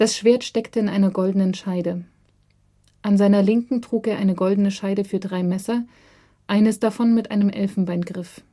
Schwert steckte in einer goldenen Scheide. An seiner Linken trug er eine goldene Scheide für drei Messer, eines davon mit einem Elfenbeingriff